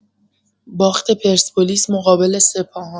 باخت پرسپولیس مقابل سپاهان